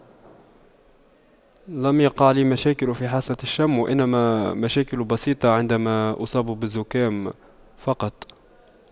لم يقع لي مشاكل في حاسة الشم وإنما مشاكل بسيطة عندما أصاب بزكام فقط